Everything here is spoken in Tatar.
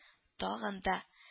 – тагын да